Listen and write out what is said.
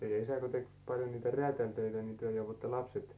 teidän isä kun teki paljon niitä räätälintöitä niin te jouduitte lapset